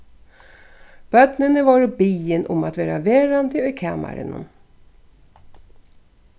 børnini vórðu biðin um at verða verandi í kamarinum